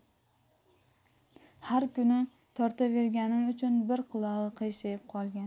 har kuni tortaverganim uchun bir qulog'i qiyshayib qolgan